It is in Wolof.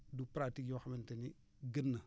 du pratique yoo xamante ni gën na